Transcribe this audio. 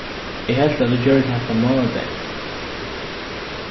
eg helt at tú gjørdi hatta mánadagin